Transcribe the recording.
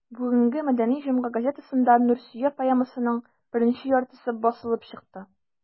Бүгенге «Мәдәни җомга» газетасында «Нурсөя» поэмасының беренче яртысы басылып чыкты.